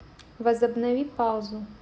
возобнови паузу